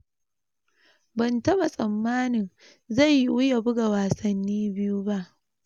Ban taɓa tsammanin zai yiwu ya buga wasanni biyu ba.